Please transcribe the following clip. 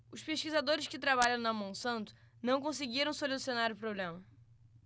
os pesquisadores que trabalham na monsanto não conseguiram solucionar o problema